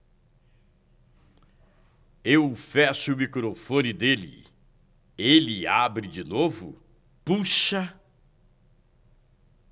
eu fecho o microfone dele ele abre de novo poxa